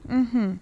Unhun